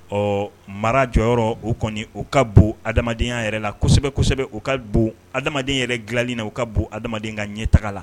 Ɔ mara jɔyɔrɔ o kɔni u ka bon adamadenya yɛrɛ la kosɛbɛ kosɛbɛ u ka bon adamaden yɛrɛ dilanli na u ka bon adamadenya ka ɲɛ tagaga la